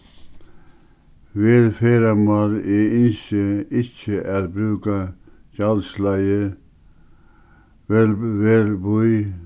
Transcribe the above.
vel ferðamál eg ynski ikki at brúka gjaldsleiðir vel bý